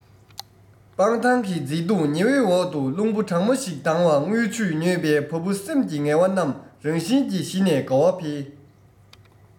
སྤང ཐང གི མཛེས སྡུག ཉི འོད འོག ཏུ རླུང བུ གྲང མོ ཞིག ལྡང བ རྔུལ ཆུས མྱོས པའི བ སྤུ སེམས ཀྱི ངལ བ རྣམས རང བཞིན གྱིས ཞི ནས དགའ བ འཕེལ